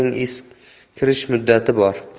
o'zlarining eskirish muddati bor